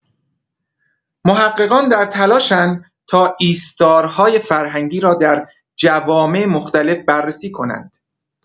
محققان در تلاش‌اند تا ایستارهای فرهنگی را در جوامع مختلف بررسی کنند.